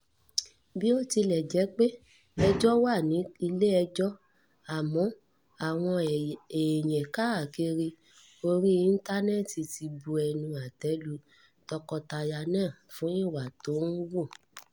Bí ó tilẹ̀ jẹ́ pé ejọ́ wà ní ilé-ẹjọ́, àmọ́ àwọn èèyàn káàkiri orí íntánẹ́ẹ́tì ti bu ẹnu àtẹ́ lu tọkọtaya náà fún ìwà t’ọ́n wù.